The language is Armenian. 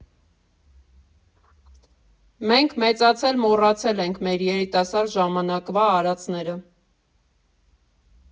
Մենք մեծացել մոռացել ենք մեր երիտասարդ ժամանակվա արածները։